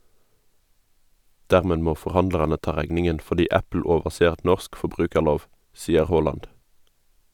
Dermed må forhandlerne ta regningen fordi Apple overser norsk forbrukerlov, sier Haaland.